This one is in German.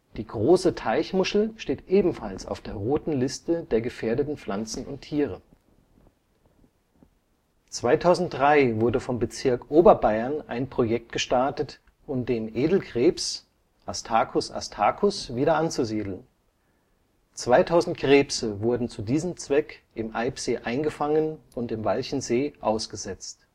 Die Große Teichmuschel steht ebenfalls auf der Roten Liste der gefährdeten Pflanzen und Tiere. Eine Quappe im Walchensee 2003 wurde vom Bezirk Oberbayern ein Projekt gestartet, um den Edelkrebs (Astacus astacus) wieder anzusiedeln. 2.000 Krebse wurden zu diesem Zweck im Eibsee eingefangen und im Walchensee ausgesetzt